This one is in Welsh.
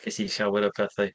Ges i llawer o pethau.